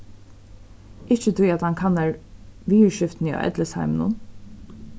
ikki tí at hann kannar viðurskiftini á ellisheiminum